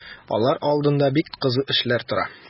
Алар алдында бик кызу эшләр тора.